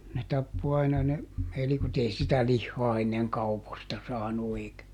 ne tappoi aina ne elikot ei sitä lihaa ennen kaupoista saanut eikä